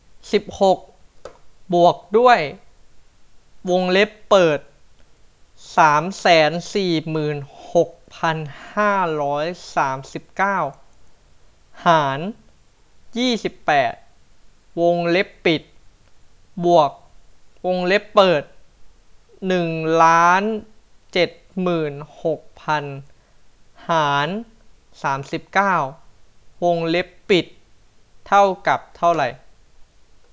สิบหกบวกด้วยวงเล็บเปิดสามแสนสี่หมื่นหกพันห้าร้อยสามสิบเก้าหารยี่สิบแปดวงเล็บปิดบวกวงเล็บเปิดหนึ่งล้านเจ็ดหมื่นหกพันหารสามสิบเก้าวงเล็บปิดเท่ากับเท่าไร